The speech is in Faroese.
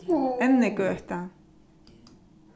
ennigøta